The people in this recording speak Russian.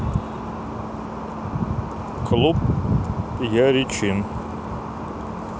клуб яричин